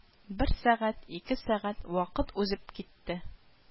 Бер сәгать, ике сәгать вакыт узып китте